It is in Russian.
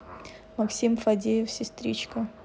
максим фадеев сестричка